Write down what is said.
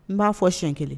N ma fɔ siɲɛn kelen.